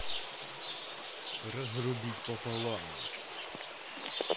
разрубить пополам